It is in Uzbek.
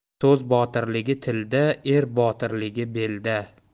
so'z botirligi tilda er botirligi belda